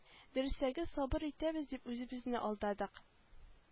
Дөресрәге сабыр итәбез дип үзебезне алдадык